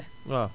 waaw